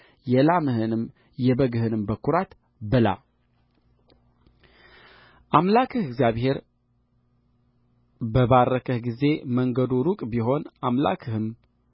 የላምህንም የበግህንም በኵራት ብላ አምላክህ እግዚአብሔር በባረከህ ጊዜ መንገዱ ሩቅ ቢሆን አምላክህም